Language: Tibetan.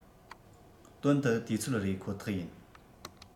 དོན དུ དུས ཚོད རེད ཁོ ཐག ཡིན